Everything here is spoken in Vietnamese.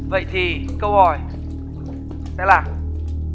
vậy thì câu hỏi sẽ là